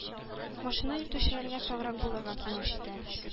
Машина йөртүчеләргә саграк булырга киңәш итәбез,